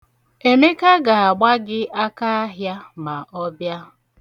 Emeka ga-agba gị akaahịa ma ọ bịa.